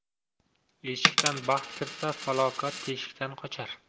eshikdan baxt kirsa falokat teshikdan qochar